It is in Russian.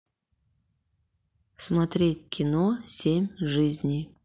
смотреть кино семь жизней